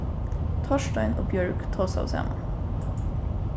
torstein og bjørg tosaðu saman